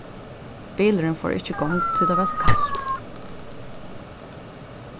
bilurin fór ikki í gongd tí tað var so kalt